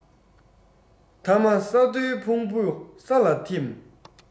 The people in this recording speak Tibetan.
ཐ མ ས རྡོའི ཕུང པོ ས ལ ཐིམ